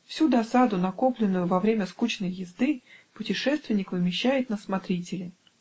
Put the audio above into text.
Всю досаду, накопленную во время скучной езды, путешественник вымещает на смотрителе.